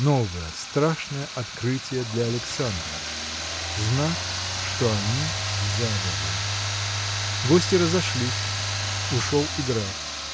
Новое, страшное открытие для Александра: знак, что они в заговоре. Гости разошлись. Ушел и граф.